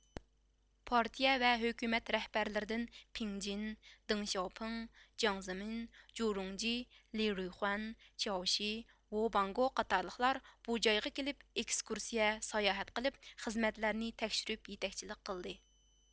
پارتىيە ۋە ھۆكۈمەت رەھبەرلىرىدىن پىڭجىن دېڭشياۋپېڭ جياڭ زېمىن جورۇڭجى لى رۇيخۇەن چياۋشى ۋوباڭگو قاتارلىقلار بۇ جايغا كېلىپ ئېكىسكۇرسىيە ساياھەت قىلىپ خىزمەتلەرنى تەكشۈرۈپ يېتەكچىلىك قىلدى